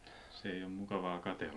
se ei ole mukavaa katsella